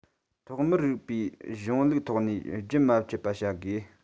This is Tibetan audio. ཐོག མར རིགས པའི གཞུང ལུགས ཐོག ནས རྒྱུན མ ཆད པ བྱ དགོས